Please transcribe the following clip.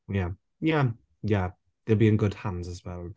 Ie ie ie. They'll be in good hands as well.